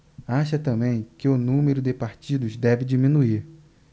acha também que o número de partidos deve diminuir